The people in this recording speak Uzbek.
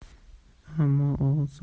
ammo og'iz solishgan